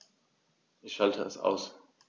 Ich schalte es aus.